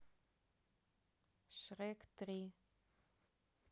шрек три